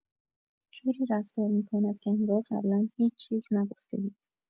جوری رفتار می‌کند که انگار قبلا هیچ‌چیز نگفته‌اید.